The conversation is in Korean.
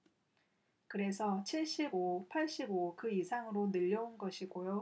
그래서 칠십 오 팔십 오 그 이상으로 늘려온 것이고요